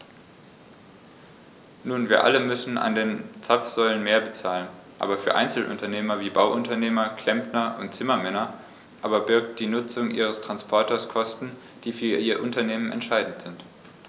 Nun wir alle müssen an den Zapfsäulen mehr bezahlen, aber für Einzelunternehmer wie Bauunternehmer, Klempner und Zimmermänner aber birgt die Nutzung ihres Transporters Kosten, die für ihr Unternehmen entscheidend sind.